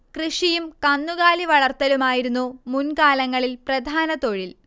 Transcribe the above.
കൃഷിയും കന്നുകാലിവളർത്തലുമായിരുന്നു മുൻകാലങ്ങളിൽ പ്രധാന തൊഴിൽ